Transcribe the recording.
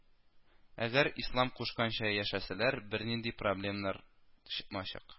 Әгәр ислам кушканча яшәсәләр, бернинди проблемнар чыкмаячак